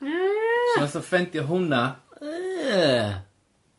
Yy. So nath o ffendio hwnna. Yy.